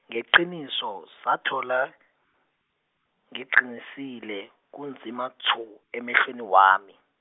ngeqiniso sathola, ngiqinisile kunzima tshu emehlweni wami.